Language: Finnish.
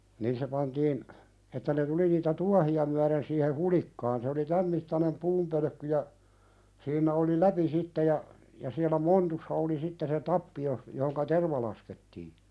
niin se pantiin että ne tuli niitä tuohia myöten siihen hulikkaan se oli tämän mittainen puunpölkky ja siinä oli läpi sitten ja ja siellä montussa oli sitten se tappi - johon terva laskettiin